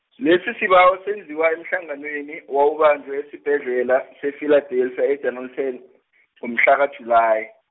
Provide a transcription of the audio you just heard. lesisibawo senziwa emhlanganweni, owawubanjwe esibhedlela se- Philadelphia e- Dennilton, ngomhlaka-Julayi.